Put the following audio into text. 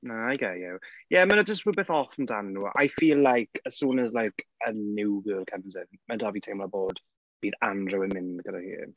Na, I get you. Ie mae 'na just rywbeth off amdanyn nhw. I feel like as soon as like a new girl comes in mae 'da fi teimlad bod... bydd Andrew yn mynd gyda hi.